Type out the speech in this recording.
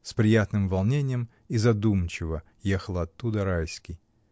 С приятным волнением и задумчиво ехал оттуда Райский.